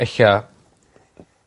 ella